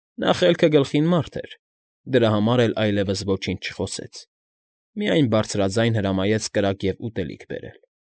Նա խելքը գլխին մարդ էր, դրա համար էլ այլևս ոչինչ չխոսեց, միայն բարձրաձայն հրամայեց կրակ ու ուտելիք բերել։